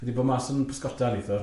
Fi di bod mas yn pysgota nithwr.